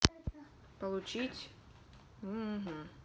получить воровать